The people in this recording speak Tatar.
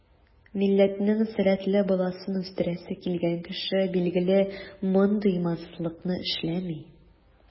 Милләтнең сәләтле баласын үстерәсе килгән кеше, билгеле, мондый имансызлыкны эшләми.